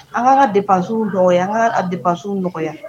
An ka defas nɔgɔya an ka defas nɔgɔya